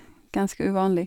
Ganske uvanlig.